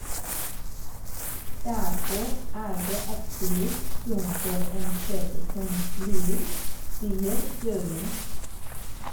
Derfor er det absolutt rom for en kjede som Lidl, sier Døving.